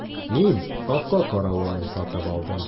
Мин капка каравылын сатып алдым.